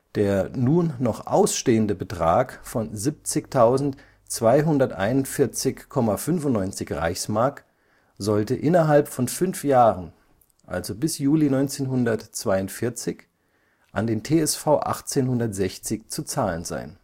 Der nun noch ausstehende Betrag von 70.241,95 Reichsmark sollte innerhalb von fünf Jahren, also bis Juli 1942, an den TSV 1860 zu zahlen sein